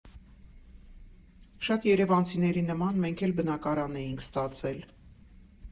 Շատ երևանցիների նման մենք էլ բնակարան էինք ստացել.